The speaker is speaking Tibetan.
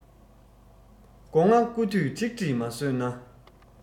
སྒོ ང རྐུ དུས ཁྲིག ཁྲིག མ ཟོས ན